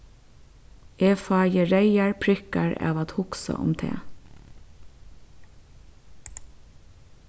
eg fái reyðar prikkar av at hugsa um tað